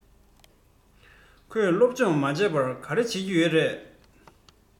ཁོས སློབ སྦྱོང མ བྱས པར ག རེ བྱེད ཀྱི ཡོད རས